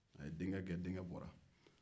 a ye denkɛ gɛn o bɔrra